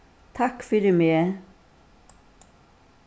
takk fyri meg